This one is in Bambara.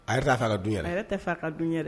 A yɛrɛ t'a fɛ a dun yɛrɛ. . A yɛrɛ t'a fɛ ka dun yɛrɛ.